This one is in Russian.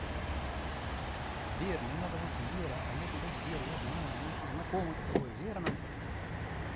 сбер меня зовут лера а тебя сбер я знаю мы уже знакомы с тобой верно